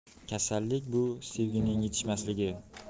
kasallik bu sevgining etishmasligi